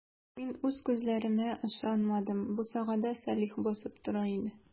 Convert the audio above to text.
Мин үз күзләремә ышанмадым - бусагада Салих басып тора иде.